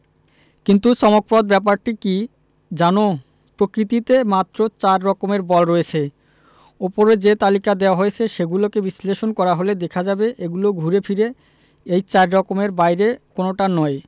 কিন্তু চমকপ্রদ ব্যাপারটি কী জানো প্রকৃতিতে মাত্র চার রকমের বল রয়েছে ওপরে যে তালিকা দেওয়া হয়েছে সেগুলোকে বিশ্লেষণ করা হলে দেখা যাবে এগুলো ঘুরে ফিরে এই চার রকমের বাইরে কোনোটা নয়